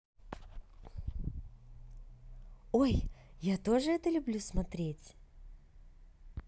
ой я тоже это люблю смотреть